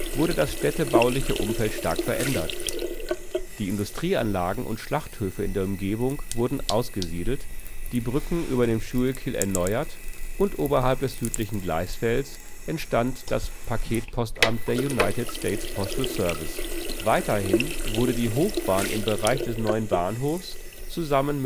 wurde das städtebauliche Umfeld stark verändert. Die Industrieanlagen und Schlachthöfe in der Umgebung wurden ausgesiedelt, die Brücken über den Schuylkill erneuert, und oberhalb des südlichen Gleisfelds entstand das Paketpostamt des United States Postal Service. Weiterhin wurde die Hochbahn im Bereich des neuen Bahnhofs zusammen